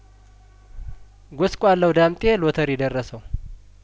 ጐስቋላው ዳምጤ ሎተሪ ደረሰው